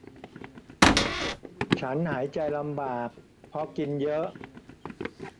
ฉันหายใจลำบากเพราะกินเยอะ